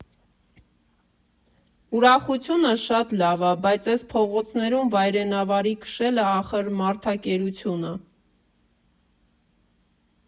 Ուրախությունը շատ լավ ա, բայց էս փողոցներում վայրենավարի քշելը ախր մարդակերություն ա։